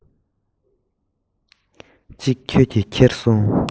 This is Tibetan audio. གཅིག ཁྱོད ཀྱིས ཁྱེར སོང